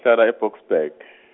ngihlala e- Boksburg.